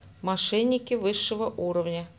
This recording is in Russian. мошенники высшего уровня